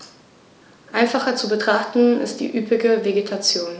Einfacher zu betrachten ist die üppige Vegetation.